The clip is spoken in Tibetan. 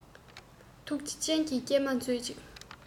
ཐུགས རྗེའི སྤྱན གྱིས སྐྱེལ མ མཛོད ཅིག